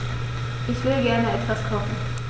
Ich will gerne etwas kochen.